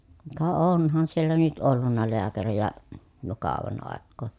ka onhan siellä nyt ollut lääkäreitä jo kauan aikaa